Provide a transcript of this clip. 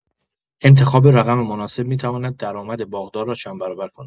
انتخاب رقم مناسب می‌تواند درآمد باغدار را چندبرابر کند.